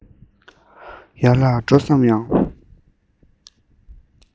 ཡར ལ འགྲོ བསམ ཡང